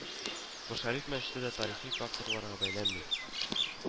Кол Шәриф мәчете дә тарихи факторларга бәйләнми